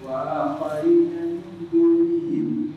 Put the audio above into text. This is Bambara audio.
Wa a